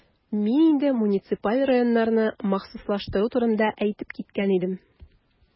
Мин инде муниципаль районнарны махсуслаштыру турында әйтеп киткән идем.